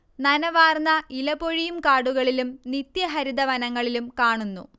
നനവാർന്ന ഇലപൊഴിയും കാടുകളിലും നിത്യഹരിതവനങ്ങളിലും കാണുന്നു